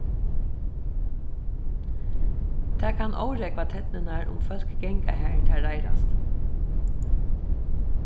tað kann órógva ternurnar um fólk ganga har tær reiðrast